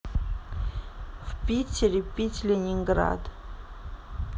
в питере пить ленинград